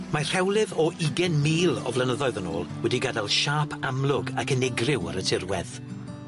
Mae rhewlydd o ugen mil o flynyddoedd yn ôl wedi gadael siâp amlwg ac unigryw ar y tirwedd.